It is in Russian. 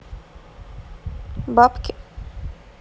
бабки